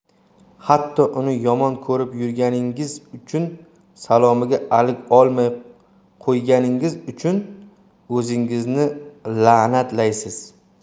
hatto uni yomon ko'rib yurganingiz uchun salomiga alik olmay qo'yganingiz uchun o'zingizni la'natlaysiz